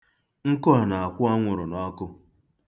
Nkụ a na-akwụ anwụrụ n'ọkụ